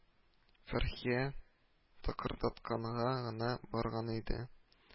Фәрхия тыкырдатканга гына барган иде